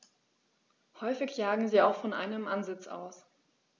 Häufig jagen sie auch von einem Ansitz aus.